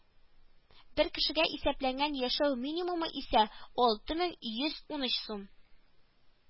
Бер кешегә исәпләнгән яшәү минимумы исә алты мең йөз ун өч сум